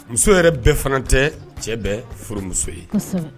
Muso yɛrɛ bɛɛ fana tɛ, cɛ bɛɛ furumuso ye. Kosɛbɛ!